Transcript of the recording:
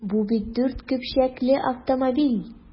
Бу бит дүрт көпчәкле автомобиль!